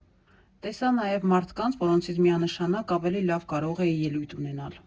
Տեսա նաև մարդկանց, որոնցից միանշանակ ավելի լավ կարող էի ելույթ ունենալ։